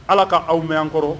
Ala k' aw mɛnan kɔrɔ